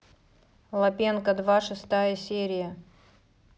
лапенко два шестая серия